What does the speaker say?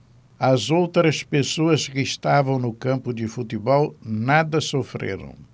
as outras pessoas que estavam no campo de futebol nada sofreram